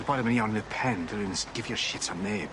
Yr boi 'im yn iawn yn y pen dyw e ddim gifio shit am neb.